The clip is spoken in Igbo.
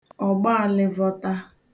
ọ̀gbaālị̄vọ̄tā